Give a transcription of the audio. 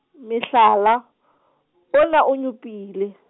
mehlala , ona o nyopile.